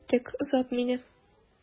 Киттек, озат мине.